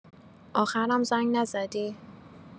آخرم زنگ نزدی؟